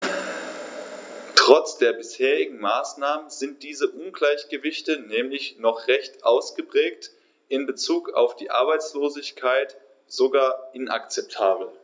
Trotz der bisherigen Maßnahmen sind diese Ungleichgewichte nämlich noch recht ausgeprägt, in bezug auf die Arbeitslosigkeit sogar inakzeptabel.